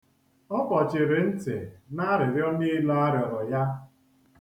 Ọ kpọchiri ntị n'arịrịọ niile a rịọrọ ya.